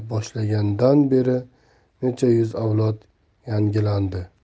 qila boshlagandan beri necha yuz avlod yangilandi